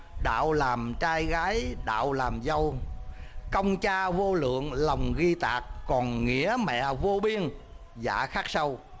đạo làm trai gái đạo làm dâu công cha vô lượng lòng ghi tạc còn nghĩa mẹ vô biên dạ khắc sâu